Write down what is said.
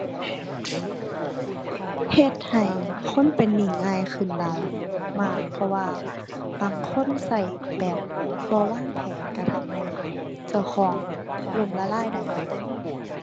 เฮ็ดให้คนเป็นหนี้ง่ายขึ้นหลายมาก เพราะว่าบางคนใช้แบบบ่วางแผนใช้ทำให้เจ้าของล้มละลายได้